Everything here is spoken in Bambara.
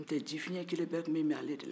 n'o tɛ jifiɲɛn kelen bɛɛ tun bɛ min ale de la